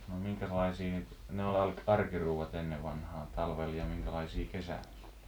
no minkäslaisia niitä ne oli - arkiruuat ennen vanhaan talvella ja minkälaisia kesällä